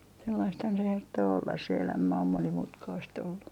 sellaistahan se herttoo olla se elämä on monimutkaista ollut